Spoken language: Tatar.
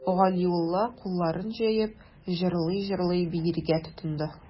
Галиулла, кулларын җәеп, җырлый-җырлый биергә тотынды.